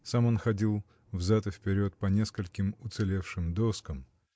Сам он ходил взад и вперед по нескольким уцелевшим доскам.